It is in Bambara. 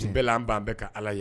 Ni bɛɛ la an baan bɛɛ ka Ala ye